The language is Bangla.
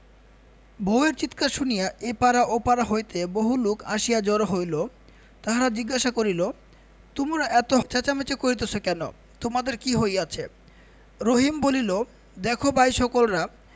বউ এর চিৎকার শুনিয়া এ পাড়া ও পাড়া হইতে বহুলোক আসিয়া জড় হইল তাহারা জিজ্ঞাসা করিল তোমরা এত চেঁচামেচি করিতেছ কেন তোমাদের কি হইয়াছে রহিম বলিল দেখ ভাই সকলরা